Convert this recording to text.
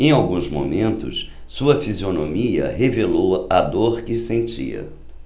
em alguns momentos sua fisionomia revelou a dor que sentia